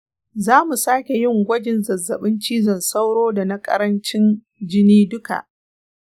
zamu sake yin gwajin zazzabin cizon sauro da na ƙarancin jini duka.